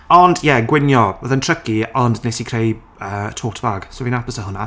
Ond ie, gwnïo. Odd e'n tricky, ond wnes i creu yy tote bag. So fi'n hapus 'da hwnna.